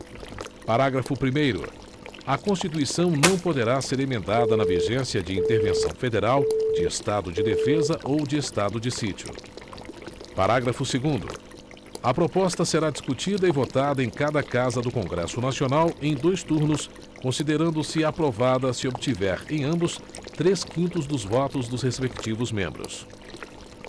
parágrafo primeiro a constituição não poderá ser emendada na vigência de intervenção federal de estado de defesa ou de estado de sítio parágrafo segundo a proposta será discutida e votada em cada casa do congresso nacional em dois turnos considerando se aprovada se obtiver em ambos três quintos dos votos dos respectivos membros